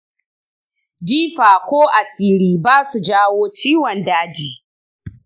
jifa ko asiri basu jawo ciwon daji.